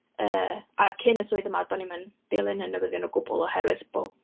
Yy, a cyn y swydd yma, do'n i'm yn dilyn y newyddion o gwbl oherwydd bo'...